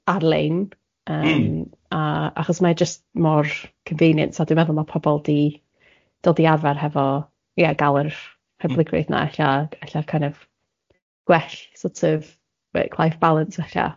ar-lein yym... Mm. ...a achos mae e jyst mor convenient a dwi'n meddwl ma' pobl di dod i arfer hefo ie gal yr hyblygrwydd na ella ella kind of gwell sort of work life balance ella.